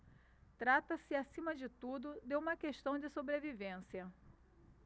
trata-se acima de tudo de uma questão de sobrevivência